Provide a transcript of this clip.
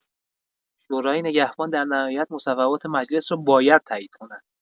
شورای نگهبان در نهایت مصوبات مجلس را باید تایید کند.